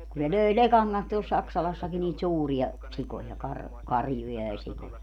kun ne löi lekan kanssa tuolla Saksalassakin niitä suuria sikoja - karjuja ja sikoja